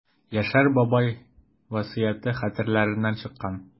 Яшәр бабай васыяте хәтерләреннән чыккан.